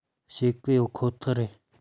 བྱེད གི ཡིན ཁོ ཐག རེད